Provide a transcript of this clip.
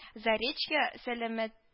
Заречья сәламәт